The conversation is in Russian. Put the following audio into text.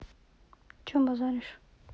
че базаришь